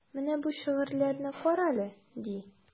Менә бу шигырьләрне карале, ди.